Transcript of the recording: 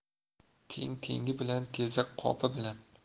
teng tengi bilan tezak qopi bilan